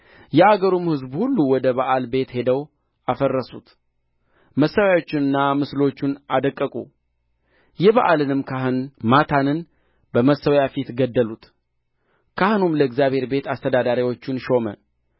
የአገሩም ሕዝብ ሁሉ ወደ በኣል ቤት ሄደው አፈረሱት መሠዊያዎቹንና ምስሎቹን አደቀቁ የበኣልንም ካህን ማታንን በመሠዊያው ፊት ገደሉት ካህኑም ለእግዚአብሔር ቤት አስተዳዳሪዎችን ሾመ